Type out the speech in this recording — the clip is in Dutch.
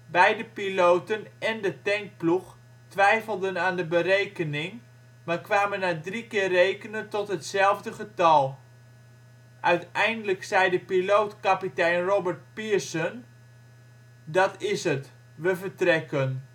Beide piloten én de tankploeg twijfelden aan de berekening, maar kwamen na drie keer rekenen tot hetzelfde getal. Uiteindelijk zei de piloot, kapitein Robert Pearson, " Dat is het, we vertrekken